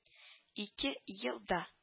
Ике ел да